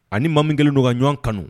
Ani maa min kɛlen don ka ɲɔan kanu